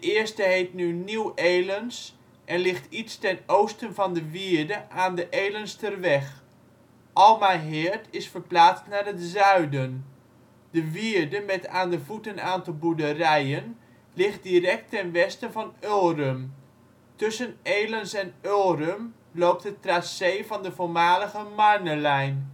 eerste heet nu Nieuw Elens en ligt iets ten oosten van de wierde aan de Elensterweg. Almaheerd is verplaatst naar het zuiden. De wierde, met aan de voet een aantal boerderijen ligt direct ten westen van Ulrum. Tussen Elens en Ulrum loopt het tracé van de voormalige Marnelijn